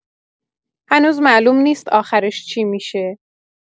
هنوز معلوم نیست آخرش چی می‌شه.